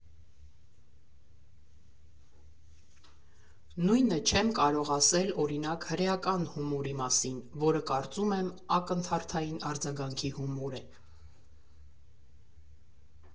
Նույնը չեմ կարող ասել, օրինակ, հրեական հումորի մասին, որը, կարծում եմ, ակնթարթային արձագանքի հումոր է»։